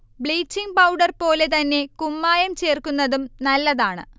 bleaching powder പോലെ തന്നെ കുമ്മായം ചേർക്കുന്നതും നല്ലതാണ്